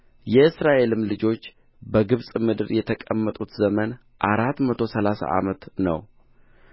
የእስራኤልም ልጆች በግብፅ ምድር የተቀመጡት ዘመን አራት መቶ ሠላሳ ዓመት ነው